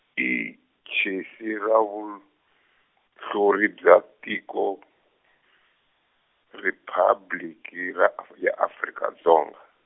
Ejensi ya Vunhl- -lori bya Tiko , Riphabliki ra Af-, ya Afrika Dzonga.